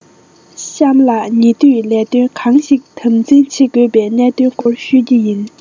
གཤམ ལ ཉེ དུས ལས དོན གང ཞིག དམ འཛིན བྱེད དགོས པའི གནད དོན སྐོར ཤོད ཀྱི ཡིན